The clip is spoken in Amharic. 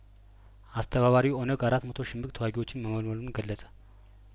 አስተባባሪው ኦነግ አራት መቶ ሽምቅ ተዋጊዎችን መመልመሉን ገለጸ